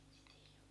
sitä ei ole